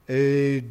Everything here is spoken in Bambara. Ee